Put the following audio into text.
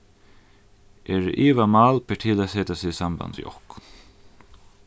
eru ivamál ber til at seta seg í samband við okkum